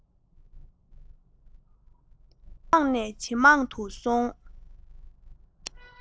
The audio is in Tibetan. ཇེ མང ནས ཇེ མང དུ སོང